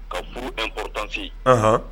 Ka furu e ptansi h